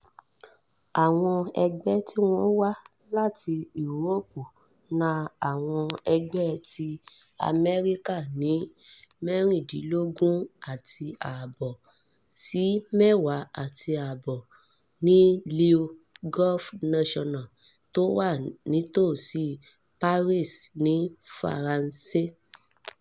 Àwọn ẹgbẹ́ tí wọ́n wá láti Úróópù ná àwọn ẹgbẹ́ tí Amẹ́ríkà ní 16.5 sí 10.5 ní Le Golf National tó wà nítòsí Paris ní Faransé.